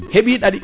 heeɓi ɗaaaɗi